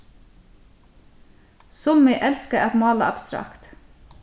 summi elska at mála abstrakt